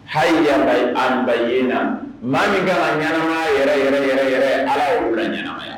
Ayiwayba anbay maa min ka ɲ yɛrɛ yɛrɛ yɛrɛ yɛrɛ ala la ɲɛna